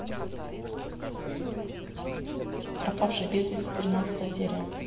пропавший без вести тринадцатая серия